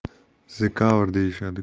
'the cover' deyishadi